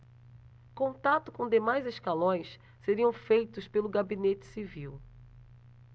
contatos com demais escalões seriam feitos pelo gabinete civil